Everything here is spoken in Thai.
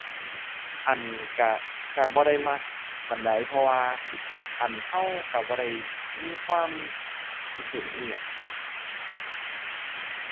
อั่น ก็ ก็บ่ได้มักปานใด เพราะว่า อั่น ก็ก็บ่ได้มีความคิดเห็นอิหยัง